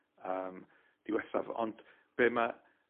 yym, diwethaf, ond be' ma'